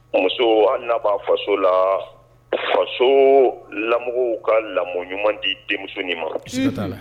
Muso na'a faso la faso lamɔ ka lamɔ ɲuman di denmusoni ma